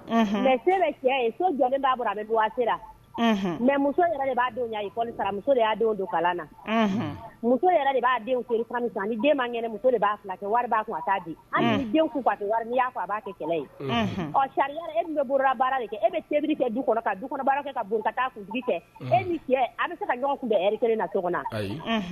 Mɛ'aa don kalan na de b'a muso b'a kɛ b'aa b'a kɛ kɛlɛ ye ca bɛ e bɛri kɛ du kɔnɔ dubara bon e an bɛ se ka jɔn tun na